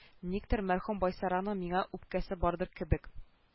Никтер мәрхүм байсарның миңа үпкәсе бардыр кебек